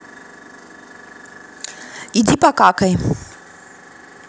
иди покакай